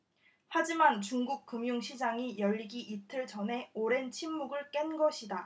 하지만 중국 금융시장이 열리기 이틀 전에 오랜 침묵을 깬 것이다